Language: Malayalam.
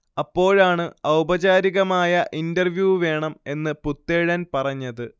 അപ്പോഴാണ് ഔപചാരികമായ ഇന്റർവ്യൂ വേണം എന്ന് പുത്തേഴൻ പറഞ്ഞത്